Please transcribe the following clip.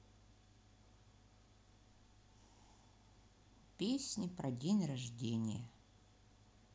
песни про день рождения